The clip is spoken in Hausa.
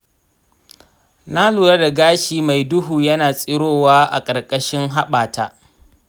na lura da gashi mai duhu yana tsirowa a ƙarƙashin haɓata.